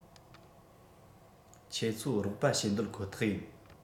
ཁྱེད ཚོ རོགས པ བྱེད འདོད ཁོ ཐག ཡིན